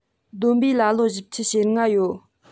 བསྡོམས པས ལ ལོ བཞི བཅུ ཞེ ལྔ ཡོད